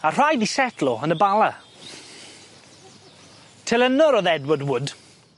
A rhai 'di setlo yn y Bala. Telynor o'dd Edward Wood